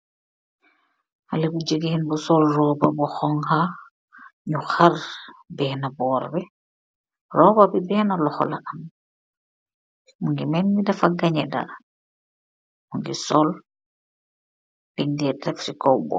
haleh bujigeen bu sol roba bu hougka, nyew harr behna boor bi, roba bi behna loho la amm .